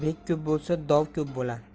bek ko'p bo'lsa dov ko'p bo'lar